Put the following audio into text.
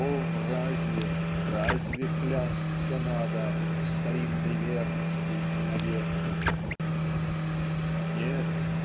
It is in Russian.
о разве, разве клясться надо в старинной верности навек?" "нет